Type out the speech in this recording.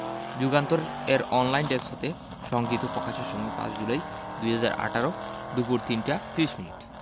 যুগান্তর এর online desk হতে সংগৃহীত প্রকাশের সময় ৫ জুলাই ২০১৮ দুপুর ৩টা ৩০ মিনিট